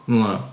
Fel yna?